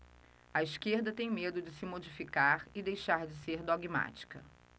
a esquerda tem medo de se modificar e deixar de ser dogmática